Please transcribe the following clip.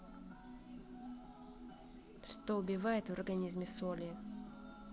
что убивает в организме соли